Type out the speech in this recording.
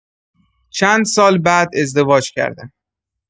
چند سال بعد ازدواج کردم.